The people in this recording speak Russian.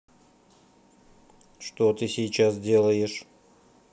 что ты сейчас делаешь